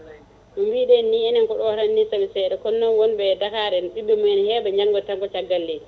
mbiɗen ni enen ko ɗo tan ni kadi seeɗa kono noon wonɓe Dakar ɓe ɓiɓɓe mumen hewɓe janggata tan ko caggal leydi